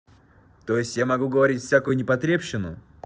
то есть я могу говорить всякую непотребщину